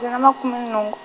ni na makume nhungu.